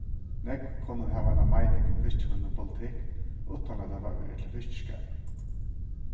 nógv kunnu hava eina meining um fiskivinnupolitikk uttan at hava verið til fiskiskap